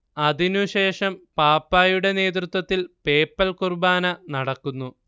അതിനുശേഷം പാപ്പയുടെ നേതൃത്വത്തിൽ പേപ്പൽ കുർബാന നടക്കുന്നു